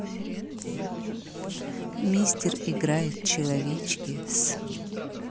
мистер играет человечки с